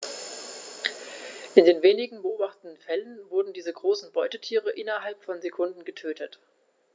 In den wenigen beobachteten Fällen wurden diese großen Beutetiere innerhalb von Sekunden getötet.